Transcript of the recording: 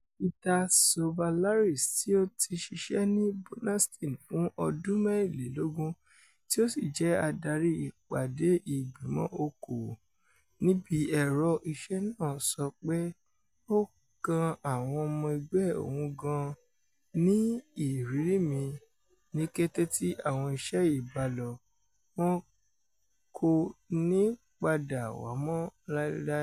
Peter Tsouvallaris, tí ó ti ṣiṣẹ́ ní Burnaston fún ọdún 24 tí ó sì jẹ́ adárí ìpàdé ìgbìmọ̀ òkòwò níibi ẹ̀rọ iṣẹ́ náà, sọ pé ó kàn àwọn ọmọ ẹgbẹ́ òun gan an: "Ní ìrírí mi, ní kété tí àwọn iṣẹ́ yìí bá lọ, wọ̀n kó ní padà wá mọ́ láeláee.